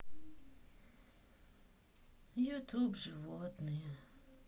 ютуб животные